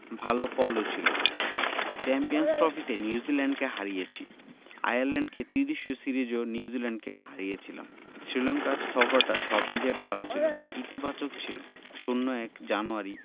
ভালো ফলও ছিল চ্যাম্পিয়নস ট্রফিতে নিউজিল্যান্ডকে হারিয়েছি আয়ারল্যান্ডে ত্রিদেশীয় সিরিজেও নিউজিল্যান্ডকে হারিয়েছিলাম শ্রীলঙ্কা সফরটা সব মিলিয়ে ভালো ছিল ইতিবাচক ছিল ০১ জানুয়ারি